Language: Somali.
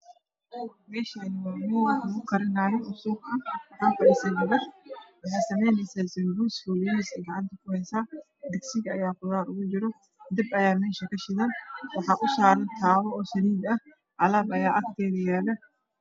Meeshaan waa meel wax lugu karinaayo oo suuq ah waxaa fadhiso gabar waxay sameyneysaa basanbuus oo ay gacanta ku haysa digsi ayaa qudaar ugu jirto. Dab ayaa meesha kashidan waxaa usaaran taawo oo saliid ah alaab ayaa agteeda yaala.